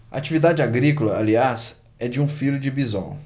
a atividade agrícola aliás é de um filho de bisol